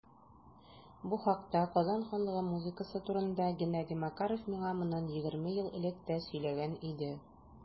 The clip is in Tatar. Бу хакта - Казан ханлыгы музыкасы турында - Геннадий Макаров миңа моннан 20 ел элек тә сөйләгән иде.